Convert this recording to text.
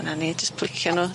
A 'na ni jyst plicio nw.